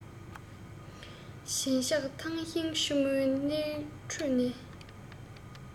བྱིན ཆགས ཐང ཤིང ཕྱུག མོའི ནགས ཁྲོད ན